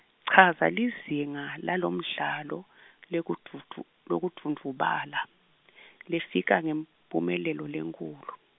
chaza lizinga lalomdlalo, lekudvundvu- lekudvundvubala, lefika ngemphumelelo lenkhulu.